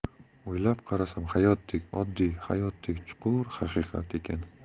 o'ylab qarasam hayotdek oddiy hayotdek chuqur haqiqat ekan